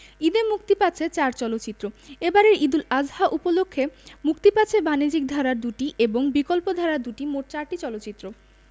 ঈদে মুক্তি পাচ্ছে চার চলচ্চিত্র এবারের ঈদ উল আযহা উপলক্ষে মুক্তি পাচ্ছে বাণিজ্যিক ধারার দুটি এবং বিকল্পধারার দুটি মোট চারটি চলচ্চিত্র